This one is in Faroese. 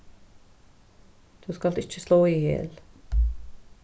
tú skalt ikki sláa í hel